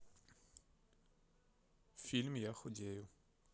фильм я худею